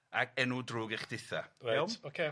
Ac enw drwg i chditha iawn? Reit ocê.